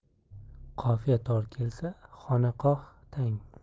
qofiya tor kelsa xonaqoh tang